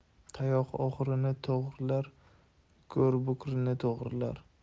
tayoq o'g'rini to'g'rilar go'r bukrini to'g'rilar